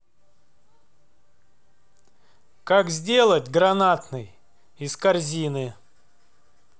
как сделать гранатный из корзины